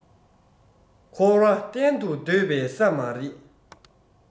འཁོར བ གཏན དུ སྡོད པའི ས མ རེད